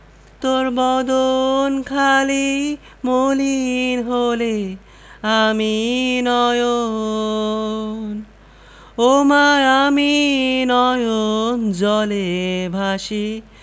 তোর বদন খানি মলিন হলে ওমা আমি নয়ন ওমা আমি নয়ন জলে ভাসি